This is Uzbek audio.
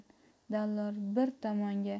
dallol bir tomonga